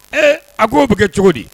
Ee a k'o bɛ kɛ cogo di